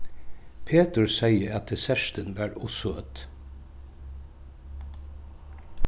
petur segði at dessertin var ov søt